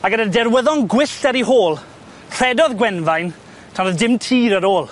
A gyda derwyddon gwyllt ar ei hôl, rhedodd Gwenfain tan o'dd dim tir ar ôl.